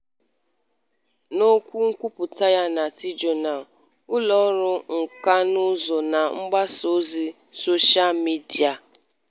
N'okwu nkwupụta ya na TJournal, ụlọọrụ nkànaụzụ na mgbasaozi soshal midịa.